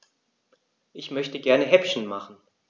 Ich möchte gerne Häppchen machen.